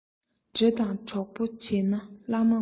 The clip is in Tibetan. འདྲེ དང གྲོགས པོ བྱེད ན བླ མ སྒོམས